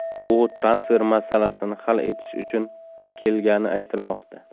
u transfer masalasini hal etish uchun kelgani aytilmoqda